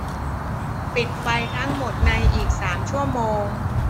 ปิดไฟทั้งหมดในอีกสามชั่วโมง